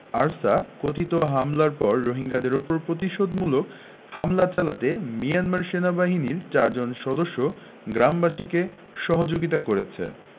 ARSA কথিত হামলার পর রোহিঙ্গাদের ওপর প্রতিশোধমূলক হামলা চালাতে মিয়ানমার সেনাবাহিনীর চারজন সদস্য গ্রামবাসীকে সহযোগিতা করেছে